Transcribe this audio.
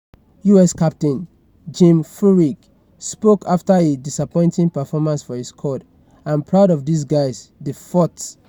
US captain Jim Furyk spoke after a disappointing performance for his squad, "I'm proud of these guys, they fought.